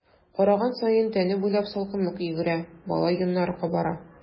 Караган саен тәне буйлап салкынлык йөгерә, бала йоннары кабара.